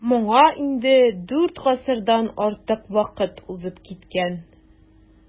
Моңа инде дүрт гасырдан артык вакыт узып киткән.